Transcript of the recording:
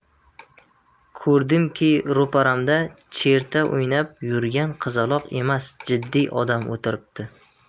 ko'rdimki ro'paramda cherta o'ynab yurgan qizaloq emas jiddiy odam o'tiribdi